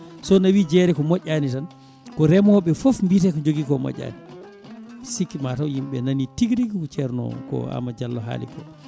so naawi jeere ko moƴƴani tan ko reemoɓe foof mbiyete ko jogui ko moƴƴani sikki mataw yimɓe nani tigui rigui ceerno o ko Amadou Diallo haali ko